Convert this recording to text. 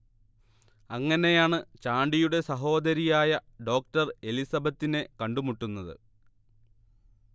അങ്ങനെയാണ് ചാണ്ടിയുടെ സഹോദരിയായ ഡോക്ടർ എലിസബത്തിനെ കണ്ടു മുട്ടുന്നത്